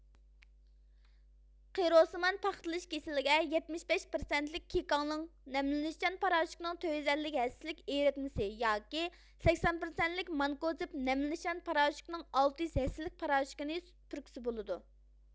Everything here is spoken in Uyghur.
قىروسىمان پاختىلىشىش كېسىلىگە يەتمىش بەش پىرسەنتلىك كېكاڭلىڭ نەملىنىشچان پاراشوكىنىڭ تۆت يۇز ئەللىك ھەسسىلىك ئېرىتمىسى ياكى سەكسەن پىرسەنتلىك مانكوزېب نەملىنىشچان پاراشوكىنىڭ ئالتە يۈز ھەسسىلىك پاراشوكىنى پۈركۈسە بولىدۇ